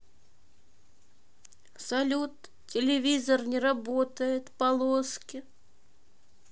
салют телевизор не работает полоски